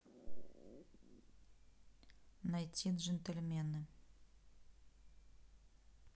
найти джентльмены